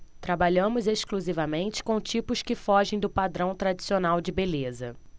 trabalhamos exclusivamente com tipos que fogem do padrão tradicional de beleza